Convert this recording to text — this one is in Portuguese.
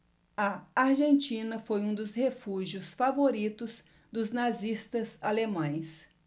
a argentina foi um dos refúgios favoritos dos nazistas alemães